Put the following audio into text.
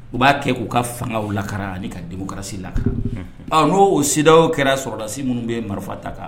U b'a kɛ k'u ka fanga lakara ani u ka democratie lakara, unhun , ɔ n'o C D E A O kɛra sɔrɔdasi minnu bɛ marifa ta kan